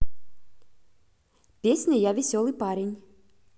песня я веселый парень